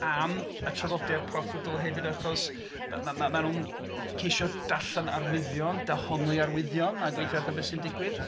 ..Am y traddodiad proffwydol hefyd achos ma- ma- maen nhw'n ceisio darllen arwyddion, dehongli arwyddion a gweithio allan be sy'n digwydd.